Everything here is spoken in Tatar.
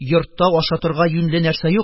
Йортта ашатырга юньле нәрсә юк,